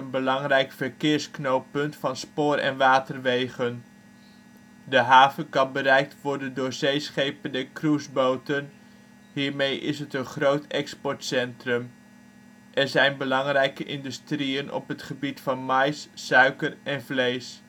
belangrijk verkeersknooppunt van spoor - en waterwegen. De haven kan bereikt worden door zeeschepen en cruiseboten. Hiermee is het een groot exportcentrum. Er zijn belangrijke industrieën op het gebied van maïs, suiker en vlees